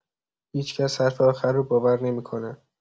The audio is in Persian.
هیچ‌کس حرف آخر رو باور نمی‌کنه.